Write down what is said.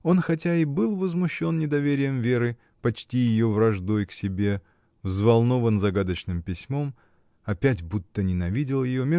Он хотя и был возмущен недоверием Веры, почти ее враждой к себе, взволнован загадочным письмом, опять будто ненавидел ее